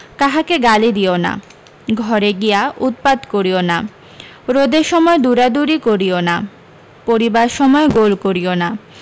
কাহাকে গালি দিও না ঘরে গিয়া উৎপাত করিও না রোদের সময় দুড়াদুড়ী করিও না পড়িবার সময় গোল করিও না